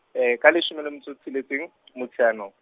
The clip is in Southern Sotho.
ka leshome le metso e tsheletseng, Motsheanong.